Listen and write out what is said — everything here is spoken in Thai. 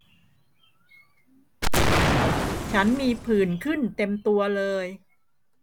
ฉันมีผื่นขึ้นเต็มตัวเลย